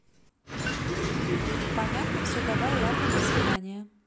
понятно все давай ладно до свидания